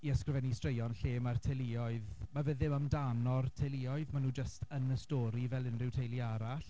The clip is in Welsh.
I ysgrifennu straeon lle mae'r teuluoedd... ma' fe ddim amdano'r teuluoedd. Maen nhw jyst yn y stori fel unrhyw teulu arall.